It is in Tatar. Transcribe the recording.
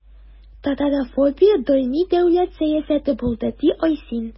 Татарофобия даими дәүләт сәясәте булды, – ди Айсин.